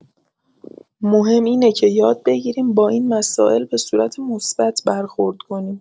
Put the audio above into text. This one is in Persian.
مهم اینه که یاد بگیریم با این مسائل به‌صورت مثبت برخورد کنیم.